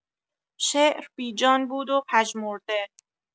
شعر بی‌جان بود و پژمرده!